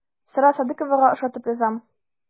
Сара Садыйковага ошатып язам.